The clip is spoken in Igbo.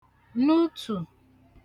nutù